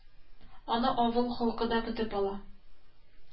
Аны авыл халкы да көтеп ала